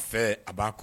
A fɛ a b'a